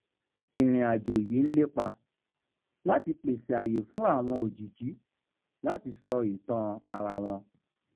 Ìrìnàjò yìí ń lépa láti pèsè àyè fún àwọn òjìjí láti sọ ìtàn ara wọn.